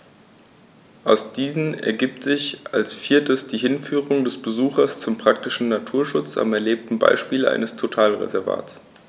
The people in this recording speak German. Aus diesen ergibt sich als viertes die Hinführung des Besuchers zum praktischen Naturschutz am erlebten Beispiel eines Totalreservats.